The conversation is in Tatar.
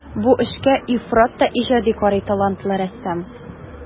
Бу эшкә ифрат та иҗади карый талантлы рәссам.